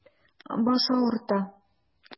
Баш авырта.